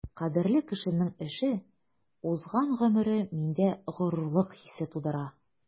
Кадерле кешемнең эше, узган гомере миндә горурлык хисе тудыра.